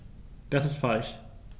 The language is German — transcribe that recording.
Das ist falsch.